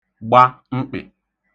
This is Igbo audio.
gba mkpị̀